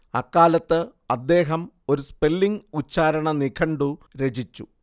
അക്കാലത്ത് അദ്ദേഹം ഒരു സ്പെല്ലിങ്ങ് ഉച്ചാരണ നിഘണ്ടു രചിച്ചു